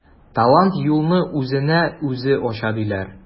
Талант юлны үзенә үзе ача диләр.